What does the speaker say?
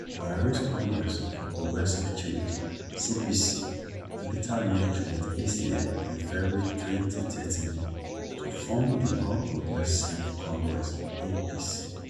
Buhari’s Congress for Progressive Change (CPC) later merged with ACN, in February 2013, to form the All Progressive Congress (APC) .